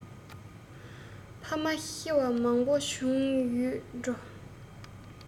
ཕ མ ཤི བ མང པོ བྱུང ཡོད འགྲོ